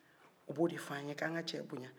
o b'o de f'an ye k'an ka cɛ bonya